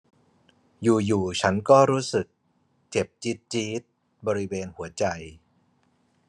อยู่อยู่ฉันก็รู้สึกเจ็บจี๊ดจี๊ดบริเวณหัวใจ